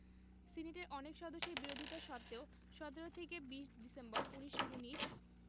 সিনেটের অনেক সদস্যের বিরোধিতা সত্ত্বেও ১৭ থেকে ২০ ডিসেম্বর ১৯১৯